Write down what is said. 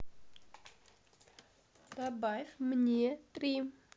добавь мне три